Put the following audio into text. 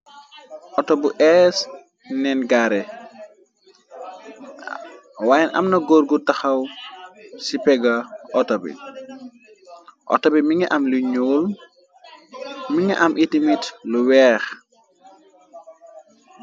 Auto bu és neen gaare waayen. Amna gorgu taxaw ci pega auto bi. Auto bi mi nga am luy ñuul mi nga am iti mit lu weex.